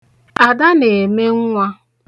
Ada na-eme nnwa.